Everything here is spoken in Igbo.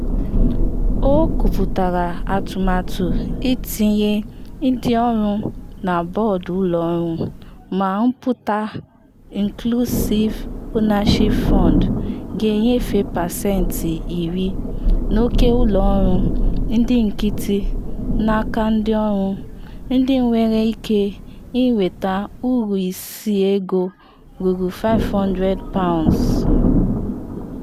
O kwuputakwara atụmatụ itinye ndị ọrụ na bọdụ ụlọ ọrụ ma mepụta Inclusive Ownership Fund ga-enyefe pesenti 10 n’oke ụlọ ọrụ ndị nkịtị n’aka ndị ọrụ, ndị nwere ike inweta uru isi ego ruru £500.